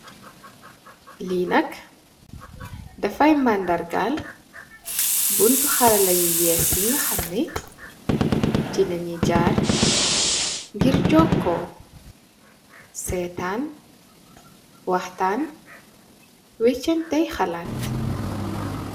Lii nak, da fay mandargaal, buntu xarale yu ees yinga xam ne, ci lañu Jaar, ngur jookoo, seetan, waxtaan, weechante xelaat.